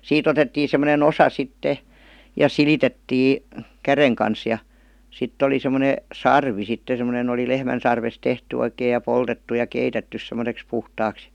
siitä otettiin semmoinen osa sitten ja silitettiin käden kanssa ja sitten oli semmoinen sarvi sitten semmoinen oli lehmän sarvesta tehty oikein ja poltettu ja keitetty semmoiseksi puhtaaksi